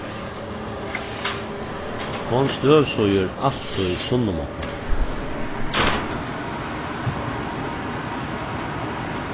hon støvsýgur altíð sunnumorgnar